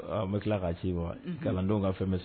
Bɛ tila k'a ci wa kalandenw ka fɛn bɛ se